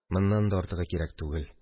Моннан да артыгы кирәк түгел.